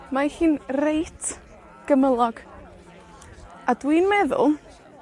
Mae hi'n reit gymylog, a dwi'n meddwl,